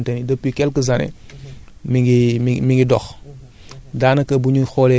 comme ni ma ko waxee woon am na benn programme national de phosphatage de fonds bu nga xamante ne depuis quelques années